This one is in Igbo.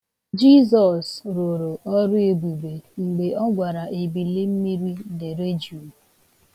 Jizọs rụrụ ọrụebube mgbe ọ gwara ebilimmiri dere juu.